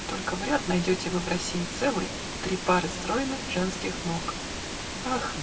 только вряд Найдете вы в России целой Три пары стройных женских ног. Ах!